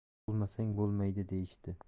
bo'lmasang bo'lmaydi deyishdi